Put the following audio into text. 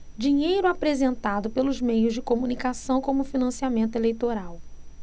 dinheiro apresentado pelos meios de comunicação como financiamento eleitoral